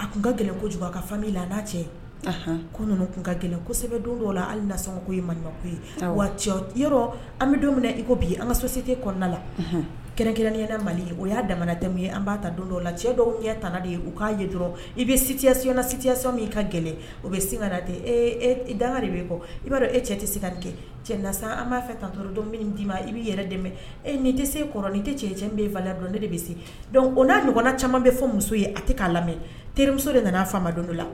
A tun ka gɛlɛn ko juba a ka fa la a n'a cɛ'u tun ka gɛlɛnsɛbɛbɛ don dɔw la hali nasɔn ko ye man ko ye wa cɛ an bɛ don i bi an ka so sete kɔnɔna la kɛrɛnkɛ mali ye o y'a da dɛmɛmu ye an b'a ta don dɔw la cɛ dɔw ɲɛ tan de ye u k'a ye dɔrɔn i bɛ siyasiy siyasɔn min i ka gɛlɛn o bɛ sinka ten e danga de bɛ e kɔ i b'a dɔn e cɛ tɛ se ka nin kɛ cɛ na an b'a fɛ katɔ don min d'i ma i bɛ yɛrɛ dɛmɛ e ni tɛ se kɔrɔ' tɛ cɛ cɛ min bɛ falen dɔn ne de bɛ se dɔn o' ɲɔgɔnna caman bɛ fɔ muso ye a tɛ k'a lamɛn teriremuso de nana a faama don dɔ la